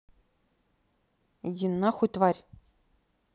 иди на хуй тварь